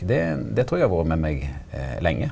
det det trur eg har vore med meg lenge.